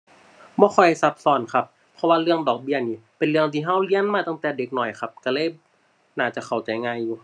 บ่ค่อยซับซ้อนครับ เพราะว่าเรื่องดอกเบี้ยนี่เป็นเรื่องที่เราเรียนมาตั้งแต่เด็กน้อยครับ เราเลยน่าจะเข้าใจง่ายอยู่